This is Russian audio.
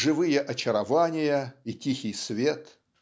живые очарования и тихий свет.